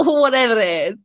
Whatever it is.